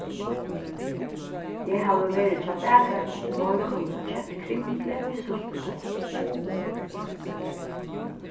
eg havi verið hjá bakaranum í morgun og keypt kringlu við súltutoy